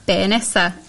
Be' Nesa?